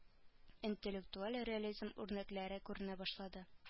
Интеллектуаль реализм үрнәкләре күренә башлады